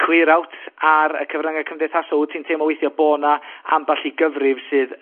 clear out ar y cyfrynga cymdeithasol. Wyt ti'n teimlo weithia bo' na' ambell i gyfrif sydd